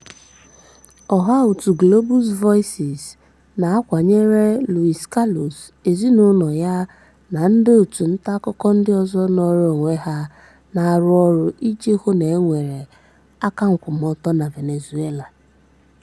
Ọha òtù Global Voices na-akwụnyere Luis Carlos, ezinụlọ ya, na ndị nta akụkọ ndị ọzọ nọọrọ onwe ha na-arụ ọrụ iji hụ na e nwere akankwụmọtọ na Venezuela.